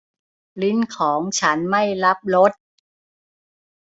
ลิ้นของฉันไม่รับรส